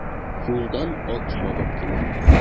Юлдан ат чабып килә.